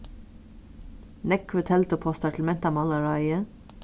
nógvir teldupostar til mentamálaráðið